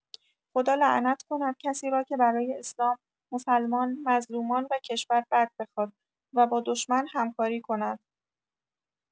خدا لعنت کند کسی را که برای اسلام، مسلمان، مظلومان و کشور بد بخواد، و با دشمن همکاری کند.